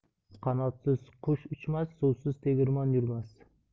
qanotsiz qush uchmas suvsiz tegirmon yurmas